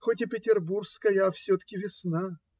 Хоть и петербургская, а все-таки весна.